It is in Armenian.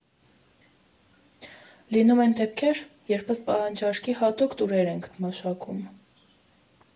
Լինում են դեպքեր, երբ ըստ պահանջարկի հատուկ տուրեր ենք մշակում։